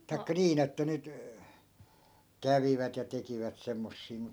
tai niin että nyt kävivät ja tekivät semmoisia mutta